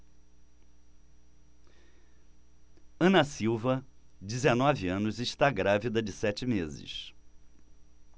ana silva dezenove anos está grávida de sete meses